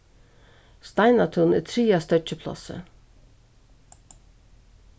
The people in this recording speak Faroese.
steinatún er triðja steðgiplássið